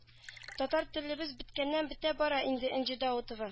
Татар телебез беткәннән-бетә бара ди энҗе даутова